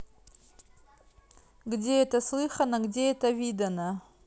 где это слыхано где это видано